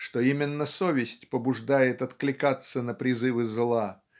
что именно совесть побуждает откликаться на призывы зла